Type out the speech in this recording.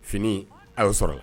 Fini aw sɔrɔ la.